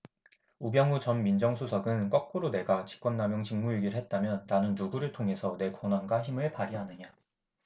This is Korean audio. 우병우 전 민정수석은 거꾸로 내가 직권남용 직무유기를 했다면 나는 누구를 통해서 내 권한과 힘을 발휘하느냐